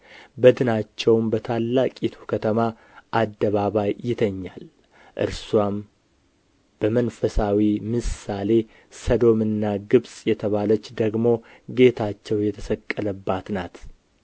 በድናቸውም በታላቂቱ ከተማ አደባባይ ይተኛል እርስዋም በመንፈሳዊ ምሳሌ ሰዶምና ግብጽ የተባለች ደግሞ ጌታቸው የተሰቀለባት ናት